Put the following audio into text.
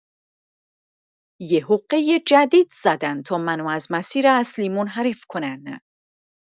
یه حقه جدید زدن تا منو از مسیر اصلی منحرف کنن.